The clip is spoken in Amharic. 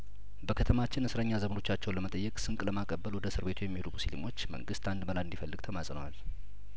በከተማችን እስረኛ ዘመዶቻቸውን ለመጠየቅ ስንቅ ለማቀበል ወደ አስር ቤቱ የሚሄዱ ሙስሊሞች መንግስት አንድ መላ እንዲፈልግ ተማጽነዋል